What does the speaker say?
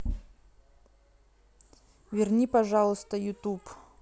верни пожалуйста ютуб